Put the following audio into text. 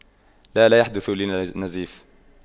لا لا يحدث لي نزيف